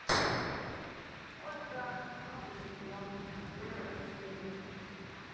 ольга новый сезон первая серия